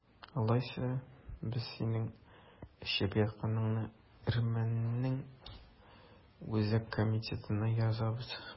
Алайса, без синең эчеп ятканыңны әрмәннең үзәк комитетына язабыз!